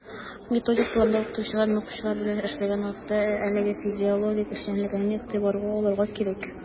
Методик планда укытучыга, укучылар белән эшләгән вакытта, әлеге психофизиологик үзенчәлекләрне игътибарга алырга кирәк.